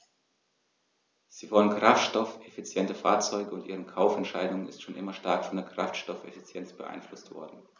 Sie wollen kraftstoffeffiziente Fahrzeuge, und ihre Kaufentscheidung ist schon immer stark von der Kraftstoffeffizienz beeinflusst worden.